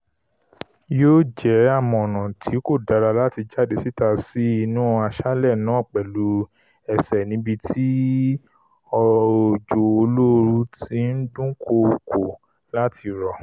Yóò jẹ́ àmọ̀ràn tí kò dára láti jáde síta sí inú aṣálẹ̀ náà pẹ̀lú ẹsẹ̀ níbi tí òjò olóoru tí ń dúnkóókò láti rọ̀.